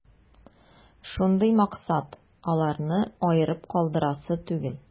Шундый максат: аларны аерып калдырасы түгел.